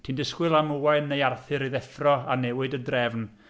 Ti'n disgwyl am Owain neu Arthur i ddeffro, a newid y drefn.